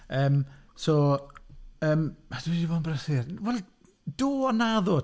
Yym so... yym ydw i 'di bod yn brysur? Wel, do a naddo.